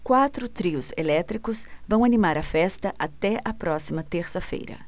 quatro trios elétricos vão animar a festa até a próxima terça-feira